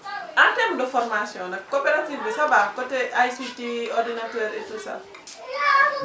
en terme de formation nag coopérative bi ça va côté ay ci Ti ordinateur et tout ça